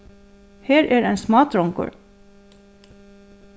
her er ein smádrongur